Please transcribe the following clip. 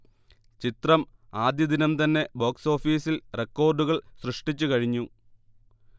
ചിത്രം ആദ്യദിനം തന്നെ ബോക്സ്ഓഫീസിൽ റെക്കോർഡുകൾ സൃഷ്ടിച്ച് കഴിഞ്ഞു